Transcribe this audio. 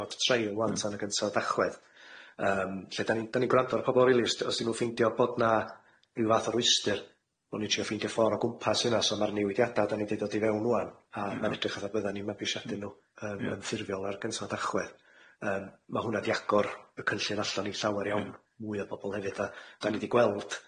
gyfnod treil rŵan tan y gynta o Dachwedd yym lle 'dan ni'n dan ni'n gwrando ar pobol rili os di- os 'di nw ffeindio bod 'na ryw fath o rwystyr bo' ni trio ffeindio ffor o gwmpas hynna so ma'r newidiada 'dan ni 'di dod i fewn ŵan a ma'n edrych fatha byddan ni'n mabwysiadu nw yym yn ffurfiol ar gynta Dachwedd yym ma' hwnna 'di agor y cynllun allan i llawer iawn mwy o bobol hefyd a 'dan ni 'di gweld